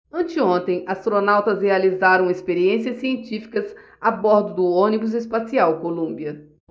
anteontem astronautas realizaram experiências científicas a bordo do ônibus espacial columbia